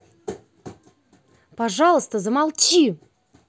пожалуйста замолчи